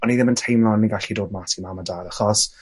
o'n i ddim yn teimlo o'n i'n gallu dod mas i mam a dad achos